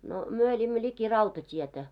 no me elimme liki rautatietä